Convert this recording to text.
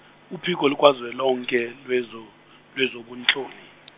uPhiko lukazwelonke lwezo- lwezoBunhloli.